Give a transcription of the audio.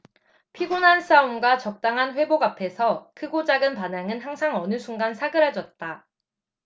피곤한 싸움과 적당한 회복 앞에서 크고 작은 반항은 항상 어느 순간 사그라졌다